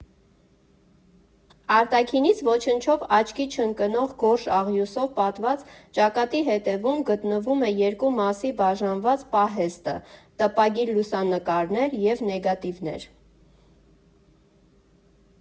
Արտաքինից ոչնչով աչքի չընկնող գորշ աղյուսով պատված ճակատի հետևում գտնվում է երկու մասի բաժանված պահեստը՝ տպագիր լուսանկարներ և նեգատիվներ։